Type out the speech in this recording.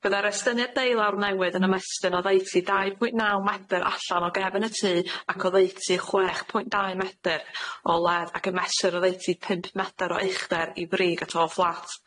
Byddai'r estyniad deulawr newydd yn ymestyn oddeitu dau pwynt naw medr allan o gefn y tŷ ac oddeitu chwech pwynt dau medr o led, ac y mesur oddeitu pump medr o uchder i brig y to fflat.